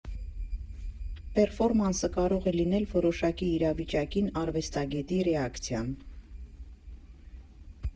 Պերֆորմանսը կարող է լինել որոշակի իրավիճակին արվեստագետի ռեակցիան։